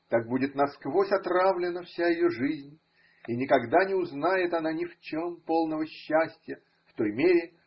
Так будет насквозь отравлена вся ее жизнь, и никогда не узнает она ни в чем полного счастья в той мере.